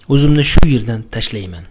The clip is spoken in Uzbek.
o'zimni shu yerdan tashlayman